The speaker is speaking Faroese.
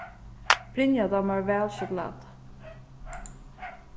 brynja dámar væl sjokulátu